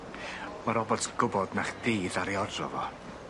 Ma' Roberts yn gwbod na chdi ddaru ordro fo.